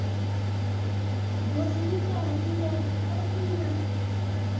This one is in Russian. до свидания афина